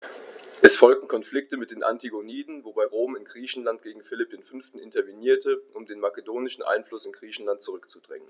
Es folgten Konflikte mit den Antigoniden, wobei Rom in Griechenland gegen Philipp V. intervenierte, um den makedonischen Einfluss in Griechenland zurückzudrängen.